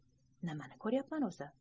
nimani ko'rayapman o'zi